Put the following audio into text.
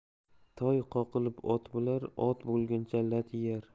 toy qoqilib ot bo'lar ot bo'lguncha lat yeyar